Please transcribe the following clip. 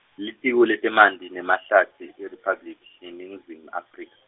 Litiko letemanti neMahlatsi, IRiphabliki, yeNingizimu Afrika.